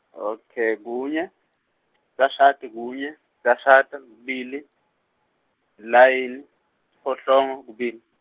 ok kunye cashata kunye cashata kubili layini siphohlongo kubili.